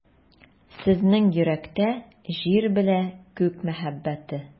Сезнең йөрәктә — Җир белә Күк мәхәббәте.